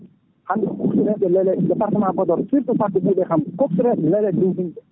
hande ko coxeur reɓe leele département Podor surtout * coxeur reɓe leele dow yimɓe